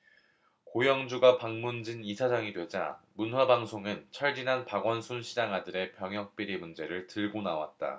고영주가 방문진 이사장이 되자 문화방송은 철지난 박원순 시장 아들의 병역비리 문제를 들고나왔다